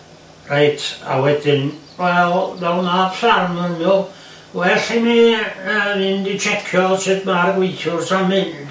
Reit a wedyn wel fel mab ffarm oni'n meddwl well i mi yy fynd i jecio i weld su' ma'r gweithiwrs yn mynd